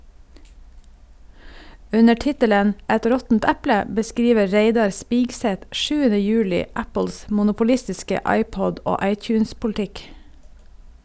Under tittelen "Et råttent eple" beskriver Reidar Spigseth 7. juli Apples monopolistiske iPod- og iTunes-politikk.